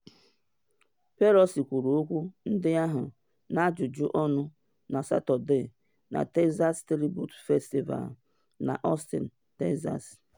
Pelosi kwuru okwu ndị ahụ n’ajụjụ ọnụ na Satọde na Texas Tribune Festival na Austin, Texas.